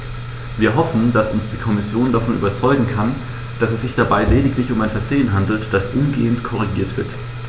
Wir hoffen, dass uns die Kommission davon überzeugen kann, dass es sich dabei lediglich um ein Versehen handelt, das umgehend korrigiert wird.